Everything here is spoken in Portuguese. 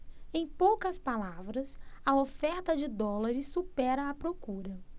em poucas palavras a oferta de dólares supera a procura